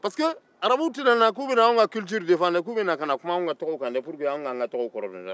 pariseke arabuw tɛna na k'u b'anw ka tabiyaw defan dɛ